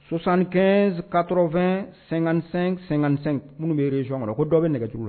Sosan kɛ katɔfɛn sen sensen minnu bɛresonɔn kɔnɔ ko dɔw bɛ nɛgɛ jugu la